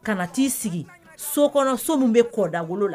Kana na t'i sigi so kɔnɔ so min bɛ kɔda bolo la